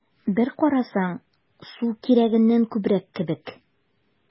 Бер карасаң, су кирәгеннән күбрәк кебек: